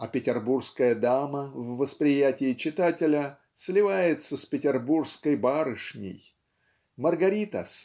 а петербургская дама в восприятии читателя сливается с петербургской барышней Маргарита